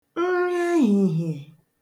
nri ehìhiè